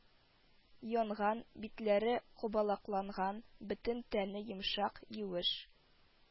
Янган, битләре кубалакланган, бөтен тәне йомшак, юеш